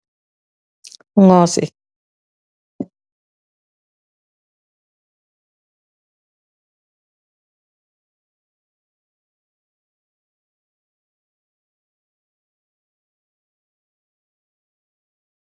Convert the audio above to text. Nygoi ce purr bayeeh Kai nyahaa.